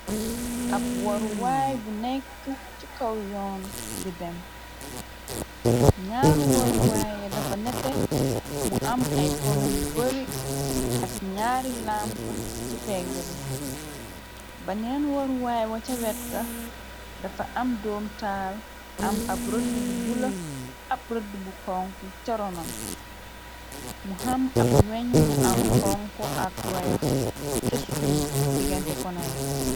Ab waruwaay bu nekk ci kaw yoon di dem ñaaru waruwaaye dafa nete mu am ay pono yu bari ak ñaari lamp ci pegge be neen waruwaay wa ca wetga dafa am doom taal am ab rëdd bu bula ab rëdd bu xonk caronam mu xam ab weñ gu am xonko ak royax ca suuf digante ponaye.